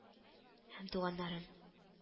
Һәм туганнарын